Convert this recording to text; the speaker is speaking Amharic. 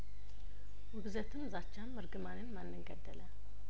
ውግዘትም ዛቻም እርግማንም ማንን ገደለ